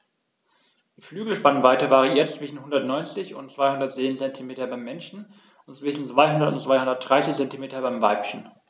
Die Flügelspannweite variiert zwischen 190 und 210 cm beim Männchen und zwischen 200 und 230 cm beim Weibchen.